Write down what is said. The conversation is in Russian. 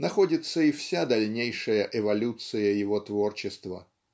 находится и вся дальнейшая эволюция его творчества.